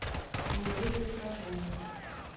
неизвестное сражение